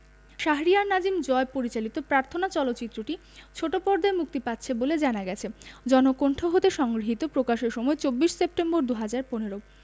শাহরিয়ার নাজিম জয় পরিচালিত প্রার্থনা চলচ্চিত্রটি ছোট পর্দায় মুক্তি পাচ্ছে বলে জানা গেছে জনকণ্ঠ হতে সংগৃহীত প্রকাশের সময় ২৪ সেপ্টেম্বর ২০১৫